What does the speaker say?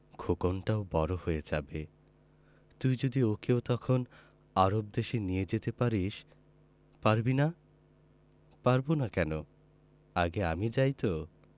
খোকনটাও বড় হয়ে যাবে তুই যদি ওকেও তখন আরব দেশে নিয়ে যেতে পারিস পারবি না পারব না কেন আগে আমি যাই তো